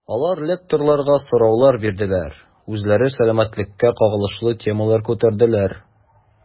Алар лекторларга сораулар бирделәр, үзләре сәламәтлеккә кагылышлы темалар күтәрделәр.